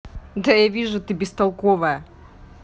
да я вижу ты бестолковая